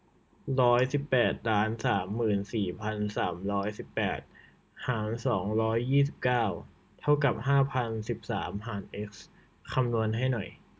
ร้อยสิบแปดล้านสามหมื่นสี่พันสามร้อยสิบแปดหารสองร้อยยี่สิบเก้าเท่ากับห้าพันสิบสามหารเอ็กซ์คำนวณให้หน่อย